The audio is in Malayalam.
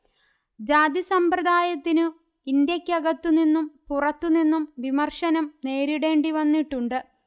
ജാതിസമ്പ്രദായത്തിനു ഇന്ത്യക്കകത്തുനിന്നും പുറത്തുനിന്നും വിമർശനം നേരീടേണ്ടിവന്നിട്ടുണ്ട്